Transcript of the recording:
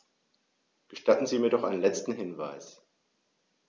Gestatten Sie mir noch einen letzten Hinweis.